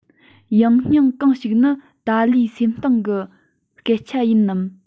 ཡང སྙིང གང ཞིག ནི ཏཱ ལའི སེམས གཏིང གི སྐད ཆ ཡིན ནམ